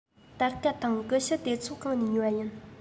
སྟར ཁ དང ཀུ ཤུ དེ ཚོ གང ནས ཉོས པ ཡིན